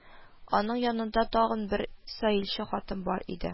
Аның янында тагын бер саилче хатын бар иде